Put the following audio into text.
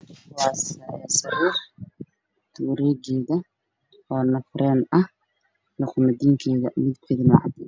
Waa sariir nafreyn ah noqda diinkeeda wuu cad yahay